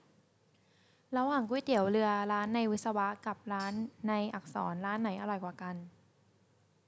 ระหว่างก๋วยเตี๋ยวเรือร้านในวิศวะกับร้านในอักษรร้านไหนอร่อยกว่ากัน